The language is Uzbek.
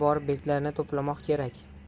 borib beklarni to'plamoq kerak